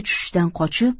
tushishdan qochib